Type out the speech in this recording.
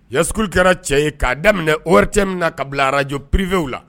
Yaskululi kɛra cɛ ye k'a daminɛ o cɛ min na kabila bilarajo bierevw la